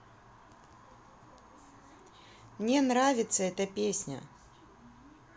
мне нравится эта песня